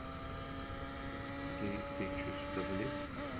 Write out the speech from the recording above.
ты ты че сюда в лес